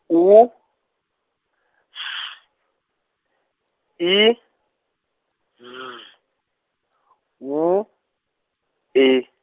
U, S, I, Z, W, E.